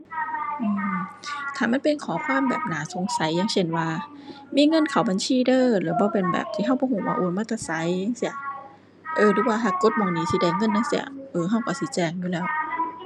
อืม ถ้ามันเป็นข้อความแบบน่าสงสัยอย่างเช่นว่า มีเงินเข้าบัญชีเด้อแล้วบ่เป็นแบบที่เราบ่เราว่าโอนมาแต่ไสจั่งซี้ เออ หรือว่าหากกดหม้องนี้สิได้เงินจั่งซี้ เออ เราเราสิแจ้งอยู่แล้ว